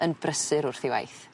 yn brysur wrth ei waith.